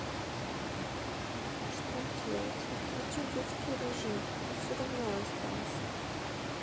что делать и включи детский режим но все равно остался